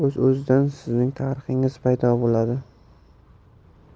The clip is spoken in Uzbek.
o'z o'zidan sizning tarixingiz paydo bo'ladi